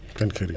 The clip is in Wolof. seen kër yi